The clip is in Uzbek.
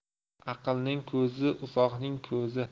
aqlning ko'zi uzoqning ko'zi